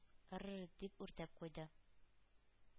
- ыр-р-р! – дип, үртәп куйды.